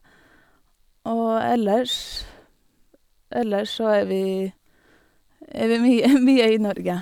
Og ellers ellers så er vi er vi mye mye i Norge.